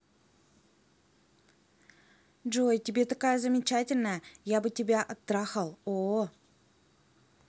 джой тебе такая замечательная я бы тебя оттрахал о